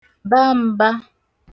ba mbā